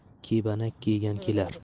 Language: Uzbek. kebanak kiygan kelar